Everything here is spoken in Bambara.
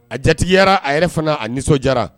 A jatigiyara a yɛrɛ fana a nisɔndi